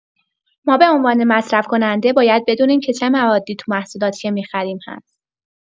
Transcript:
ما به عنوان مصرف‌کننده باید بدونیم که چه موادی تو محصولاتی که می‌خریم هست.